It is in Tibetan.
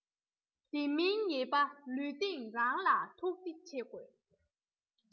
དེ མིན ཉེས པ ལུས སྟེང རང ལ ཐུགས རྗེ ཆེ དགོས